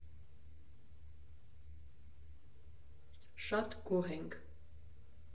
Շատ գոհ ենք։